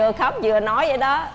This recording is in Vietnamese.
vừa khóc vừa nói dậy đó